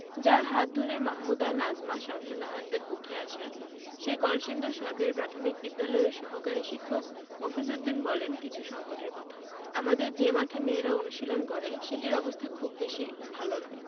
যাঁর হাত ধরে মাহমুদা নাজমা শামসুন্নাহারদের উঠে আসা সেই কলসিন্দুর সরকারি প্রাথমিক বিদ্যালয়ের সহকারী শিক্ষক মফিজ উদ্দিন বললেন কিছু সংকটের কথা আমাদের যে মাঠে মেয়েরা অনুশীলন করে সেটির অবস্থা খুব একটা ভালো নয়